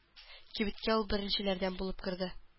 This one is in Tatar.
Кибеткә ул беренчеләрдән булып керде.